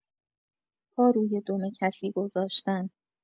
پا روی دم کسی گذاشتن